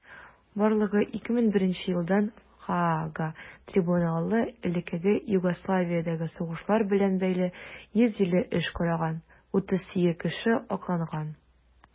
Барлыгы 2001 елдан Гаага трибуналы элеккеге Югославиядәге сугышлар белән бәйле 150 эш караган; 38 кеше акланган.